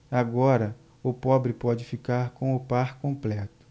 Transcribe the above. agora o pobre pode ficar com o par completo